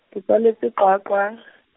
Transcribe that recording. ke tswaletswe Qwaqwa .